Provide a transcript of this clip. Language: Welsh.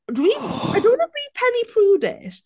Dwi'm... I don't wanna be Penny Prudish...